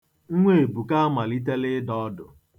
Nwa Ebuka amalitela ịdọ ọdụ.